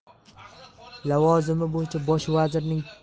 lavozimi bo'yicha bosh vazirning ta'lim